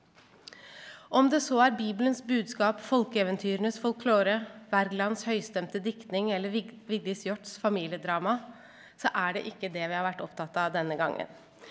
om det så er bibelens budskap folkeeventyrenes folklore Wergelands høystemte diktning eller Vigdis Hjorts familiedrama så er det ikke det vi har vært opptatt av denne gangen.